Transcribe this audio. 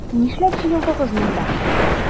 Нишләп җыелдыгыз монда?